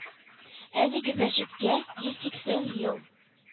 Әлеге мәчеткә - йөз сиксән ел